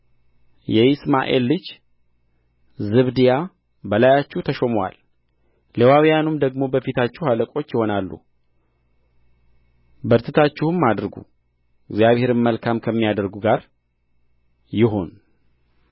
የይስማኤል ልጅ ዝባድያ በላያችሁ ተሾመዋል ሌዋውያኑም ደግሞ በፊታችሁ አለቆች ይሆናሉ በርትታችሁም አድርጉ እግዚአብሔርም መልካም ከሚያደርግ ጋር ይሁን